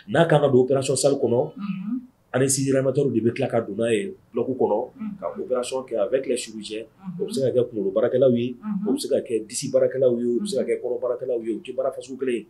N'a kan ka don opération salle kɔnɔ. Unhun. Anesthésie-réanimateurs w de bɛ tila ka donna ye bloc kɔnɔ. Unhun. Ka opération kɛ avec un chirurgien o bɛ se ka kɛ kungolo baara kɛlaw ye, o bɛ se ka kɛ disi baara kɛlaw ye, o bɛ se ka kɛ kɔnɔ baara kɛlaw ye, u tɛ baara sugu kelen ye.